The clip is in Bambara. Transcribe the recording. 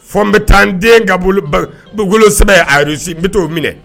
Fɔ n bɛ taa n den dabolo ban wolosɛbɛn a, reçu t n bɛ t'o minɛ